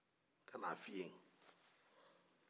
ka na a fiiye